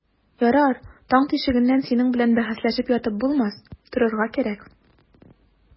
Ярар, таң тишегеннән синең белән бәхәсләшеп ятып булмас, торырга кирәк.